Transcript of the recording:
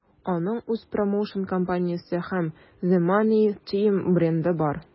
Аның үз промоушн-компаниясе һәм The Money Team бренды бар.